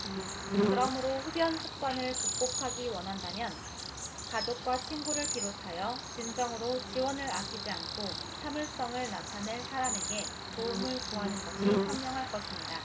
그러므로 흡연 습관을 극복하기 원한다면 가족과 친구를 비롯하여 진정으로 지원을 아끼지 않고 참을성을 나타낼 사람에게 도움을 구하는 것이 현명할 것입니다